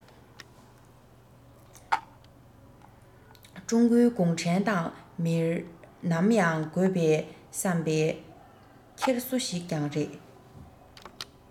ཀྲུང གོའི གུང ཁྲན ཏང མིར ནམ ཡང དགོས པའི བསམ པའི འཁྱེར སོ ཞིག ཀྱང རེད